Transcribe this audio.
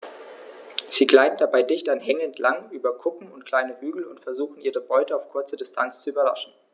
Sie gleiten dabei dicht an Hängen entlang, über Kuppen und kleine Hügel und versuchen ihre Beute auf kurze Distanz zu überraschen.